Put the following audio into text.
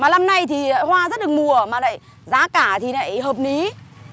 mà năm nay thì hoa rất được mùa mà lại giá cả thì nại hợp ný